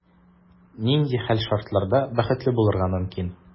Нинди хәл-шартларда бәхетле булырга мөмкин?